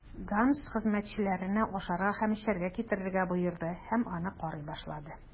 Ганс хезмәтчеләренә ашарга һәм эчәргә китерергә боерды һәм аны карый башлады.